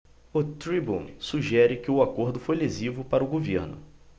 o tribune sugere que o acordo foi lesivo para o governo